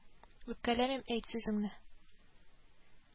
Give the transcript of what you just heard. Үпкәләмим әйт сүзеңне